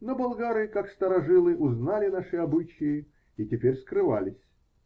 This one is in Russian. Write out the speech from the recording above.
но болгары как старожилы узнали наши обычаи и теперь скрывались.